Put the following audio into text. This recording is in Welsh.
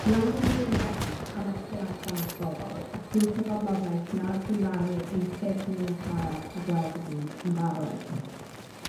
Ma' raid i ni fod yn well am estyn allan at bobol, at drwch y boblogaeth nad sy'n rhannu ein ffyrdd ni o siarad a gweld y byd yn barod.